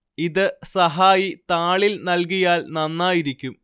ഇത് സഹായി താളിൽ നൽകിയാൽ നന്നായിരിക്കും